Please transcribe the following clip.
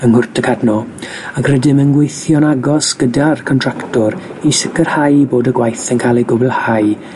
yng Nghwrt Y Cadno, ac rydym yn gweithio'n agos gyda'r contractwr i sicrhau bod y gwaith yn cael ei gwblhau